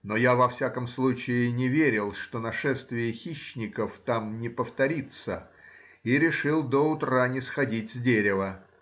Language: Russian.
но я во всяком случае не верил, что нашествие хищников там не повторится, и решил до утра не сходить с дерева.